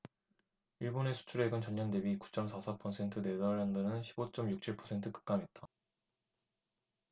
일본의 수출액은 전년대비 구 쩜 사 사 퍼센트 네덜란드는 십 오 쩜 육 칠 퍼센트 급감했다